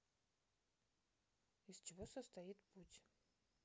из чего состоит путь